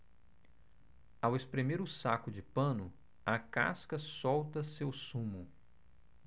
ao espremer o saco de pano a casca solta seu sumo